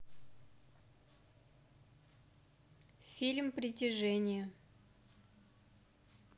фильм притяжение